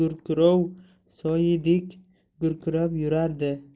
gurkurov soyidek gurkirab yurardi